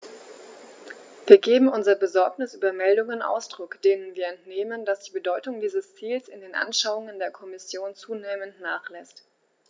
Wir geben unserer Besorgnis über Meldungen Ausdruck, denen wir entnehmen, dass die Bedeutung dieses Ziels in den Anschauungen der Kommission zunehmend nachlässt.